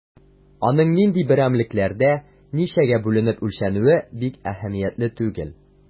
Аның нинди берәмлекләрдә, ничәгә бүленеп үлчәнүе бик әһәмиятле түгел.